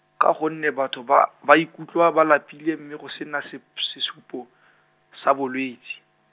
ka gonne batho ba, ba ikutlwa ba lapile mme go sena sep- sesupo, sa bolwetsi.